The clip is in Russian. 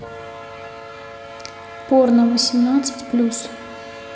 порно восемнадцать плюс